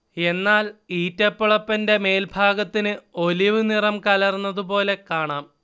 എന്നാൽ ഈറ്റ പൊളപ്പന്റെ മേൽഭാഗത്തിന് ഒലിവ് നിറം കലർന്നതുപോലെ കാണാം